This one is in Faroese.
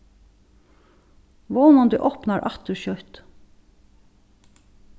vónandi opnar aftur skjótt